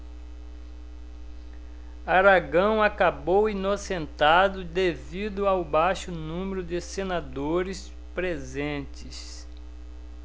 aragão acabou inocentado devido ao baixo número de senadores presentes